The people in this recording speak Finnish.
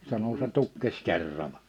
sanoi se tukkesi kerralla